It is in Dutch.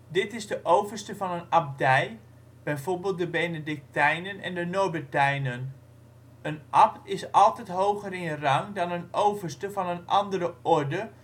Dit is de overste van een abdij (bijvoorbeeld de Benedictijnen en de Norbertijnen). Een abt is altijd hoger in rang dan een overste van een andere orde